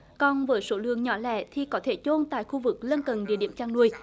còn với số lượng nhỏ lẻ thì có thể chôn tại khu vực lân cận địa điểm chăn nuôi